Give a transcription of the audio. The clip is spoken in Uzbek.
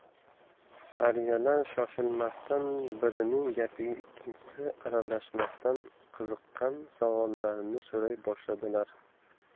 qariyalar shoshilmasdan birining gapiga ikkinchisi aralashmasdan qiziqqan savollarini so'ray boshladilar